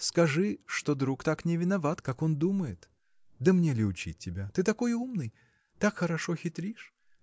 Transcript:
скажи, что друг так не виноват, как он думает. Да мне ли учить тебя? ты такой умный. так хорошо хитришь.